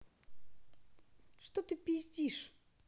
что ты пиздишь